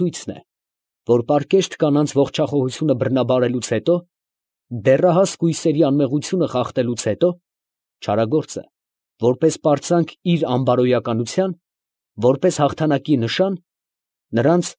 Ցույցն է, որ պարկեշտ կանանց ողջախոհությունը բռնաբարելուց հետո, դեռահաս կույսերի անմեղությունը խախտելուց հետո, չարագործը, որպես պարծանք իր անբարոյականության, որպես հաղթանակի նշան, ֊ նրանց։